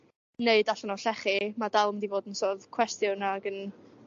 'neud allan o'r llechi ma' dal yn mynd i fod yn cwestiwn ag yn